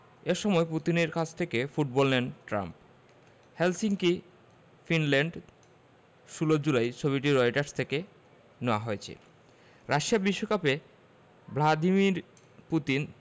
এ সময় পুতিনের কাছ থেকে ফুটবল নেন ট্রাম্প হেলসিঙ্কি ফিনল্যান্ড ১৬ জুলাই ছবিটি রয়টার্স থেকে নেয়া হয়েছে রাশিয়া বিশ্বকাপে ভ্লাদিমির পুতিন